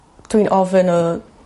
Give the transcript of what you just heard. dwi'n ofyn yy